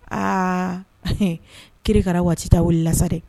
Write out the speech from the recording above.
Aa kikara waati ta wulila la sa dɛ